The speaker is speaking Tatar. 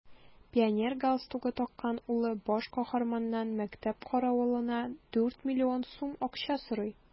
Пионер галстугы таккан улы баш каһарманнан мәктәп каравылына дүрт миллион сум акча сорый.